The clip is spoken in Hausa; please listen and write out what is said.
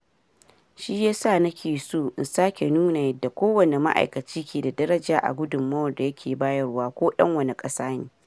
Shi ya sa nake so in sake nuna yadda kowane ma’aikaci ke da daraja a gudunmawar da yake bayarwa, ko ɗan wane ƙasa ne.